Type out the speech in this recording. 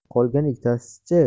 qolgan ikkitasichi